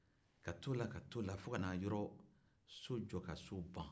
ka t'o la ka t'o la fo kana yɔrɔ so jɔ ka so ban